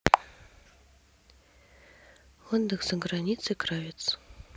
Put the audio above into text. отдых за границей кравец